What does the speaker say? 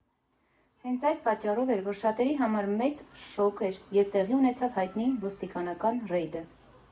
Հենց այդ պատճառով էր, որ շատերի համար մեծ շոկ էր, երբ տեղի ունեցավ հայտնի ոստիկանական ռեյդը։